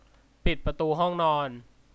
ปิดประตูห้องนอน